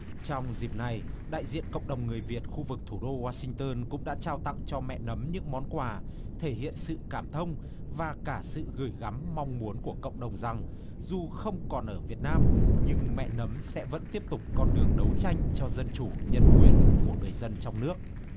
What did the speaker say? trong dịp này đại diện cộng đồng người việt khu vực thủ đô washington cũng đã trao tặng cho mẹ nấm những món quà thể hiện sự cảm thông và cả sự gửi gắm mong muốn của cộng đồng rằng dù không còn ở việt nam nhưng mẹ nấm sẽ vẫn tiếp tục con đường đấu tranh cho dân chủ nhân quyền của người dân trong nước